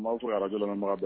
Maa fɔ ara lajɛlenma tɛ